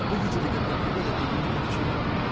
вы видели, какой припадок был у меня вчера.